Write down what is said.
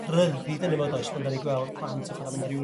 ryddid yna 'ma does pan 'dan ni gweld plant yn chwara' ma' 'na ryw